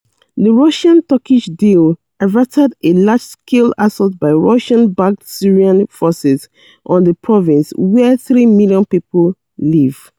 The Russian-Turkish deal averted a large-scale assault by Russian-backed Syrian forces on the province, where three million people live.